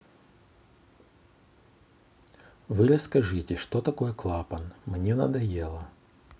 вы расскажите что такое клапан мне надоело